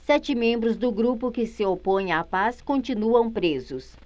sete membros do grupo que se opõe à paz continuam presos